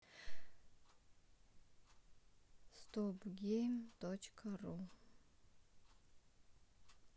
стоп гейм точка ру